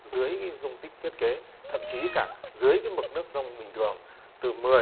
dưới dung tích thiết kế thậm chí cả dưới cái mực nước dâng bình thường từ mười